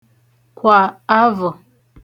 kwà avọ̀